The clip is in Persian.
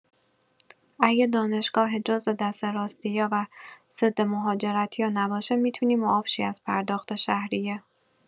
اگه دانشگاه‌ت جزو دسته راستیا و ضد مهاجرتیا نباشه می‌تونی معاف شی از پرداخت شهریه.